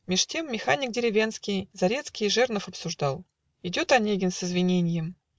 Меж тем, механик деревенский, Зарецкий жернов осуждал. Идет Онегин с извиненьем.